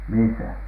missä